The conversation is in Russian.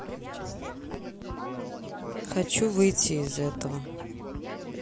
хочу выйти из этого